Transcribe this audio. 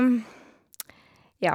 Ja.